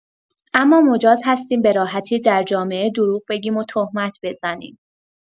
اما مجاز هستیم به راحتی در جامعه دروغ بگیم و تهمت بزنیم